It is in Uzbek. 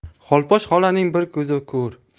xolposh xolaning bir ko'zi ko'r